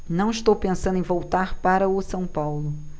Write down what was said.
não estou pensando em voltar para o são paulo